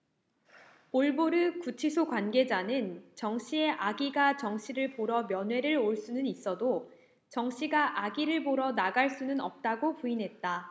올보르 구치소 관계자는 정 씨의 아기가 정 씨를 보러 면회를 올 수는 있어도 정 씨가 아기를 보러 나갈 수는 없다고 부인했다